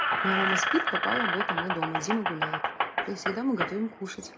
моя мама спит попала бота мы дома дима гуляет как всегда мы готовим кушать